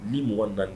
Ni m dan